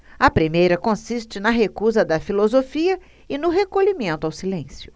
a primeira consiste na recusa da filosofia e no recolhimento ao silêncio